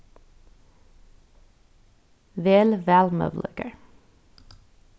vel valmøguleikar